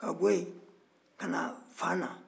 ka bɔ yen ka na fana